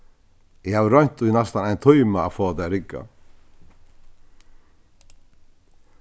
eg havi roynt í næstan ein tíma at fáa tað at rigga